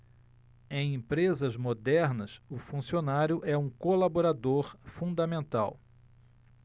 em empresas modernas o funcionário é um colaborador fundamental